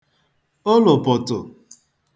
ụlụ̀pụ̀tụ̀